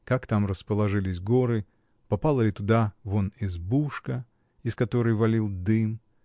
как там расположились горы, попала ли туда вон та избушка, из которой валил дым